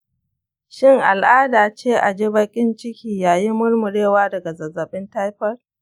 shin al’ada ce a ji baƙin ciki yayin murmurewa daga zazzabin typhoid?